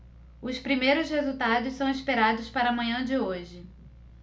os primeiros resultados são esperados para a manhã de hoje